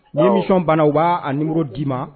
Ni nisɔnsɔn bana b'a niuru d'i ma